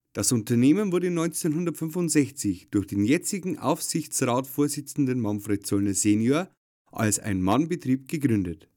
Das Unternehmen wurde 1965 durch den jetzigen Aufsichtsratsvorsitzenden Manfred Zollner sen. als Ein-Mann-Betrieb gegründet